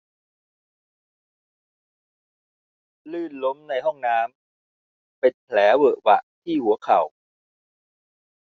ลื่นล้มในห้องน้ำเป็นแผลเหวอะหวะที่หัวเข่า